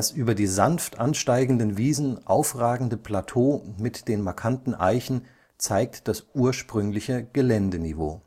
über die sanft ansteigenden Wiesen aufragende Plateau mit den markanten Eichen zeigt das ursprüngliche Geländeniveau